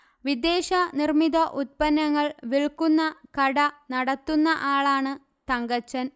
വിദേശ നിർമിത ഉത്പന്നങ്ങൾ വില്ക്കുന്ന കട നടത്തുന്ന ആളാണ് തങ്കച്ചൻ